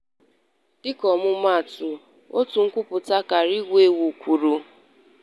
Dịka ọmụmaatụ, otu nkwupụta kara wu ewu kwuru: